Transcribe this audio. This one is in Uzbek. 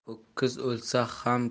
ho'kiz o'lsa ham